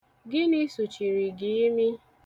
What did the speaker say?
Gịnị sụchiri gị imi?